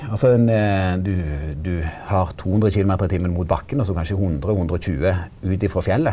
altså ein du du har 200 km/t mot bakken også kanskje 100 120 ut ifrå fjellet.